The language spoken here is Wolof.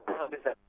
77